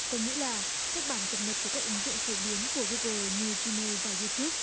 có nghĩa là các bản cập nhật của các ứng dụng phổ biến của gu gồ như di mêu và diu túp